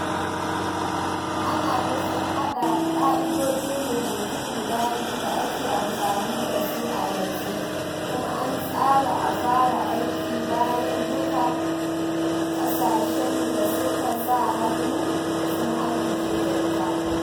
Ana nufin haɗa ƙa’idojin rubutu guda biyu da ake amfani da su a yanzu, kuma an tsara a fara aiki bayan duka ƙasashen da suka sa hannu sun amince da ita.